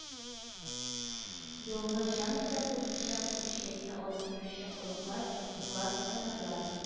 Елгы җанисәп буенча күпчелекне алып торучы халыклар: руслар , татарлар